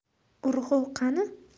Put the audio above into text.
urg'u qani